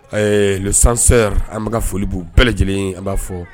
Ɛɛ san an ma folibu bɛɛ lajɛlen an b'a fɔ